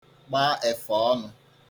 gba èfọ̀ọnụ̄